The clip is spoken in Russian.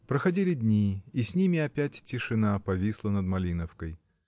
Проходили дни, и с ними опять тишина повисла над Малиновкой.